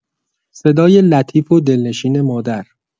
صدای لطیف و دلنشین مادر